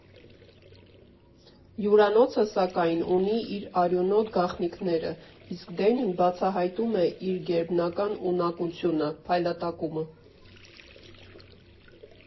Հյուրանոցը, սակայն, ունի իր արյունոտ գաղտնիքները, իսկ Դենին բացահայտում է իր գերբնական ունակությունը՝ փայլատակումը։